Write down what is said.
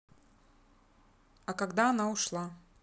а когда она ушла